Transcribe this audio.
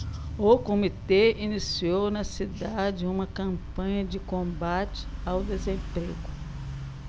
o comitê iniciou na cidade uma campanha de combate ao desemprego